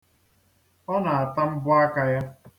Ọ na-ata mbọ aka ya.